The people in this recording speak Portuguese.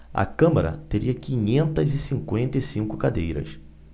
a câmara teria quinhentas e cinquenta e cinco cadeiras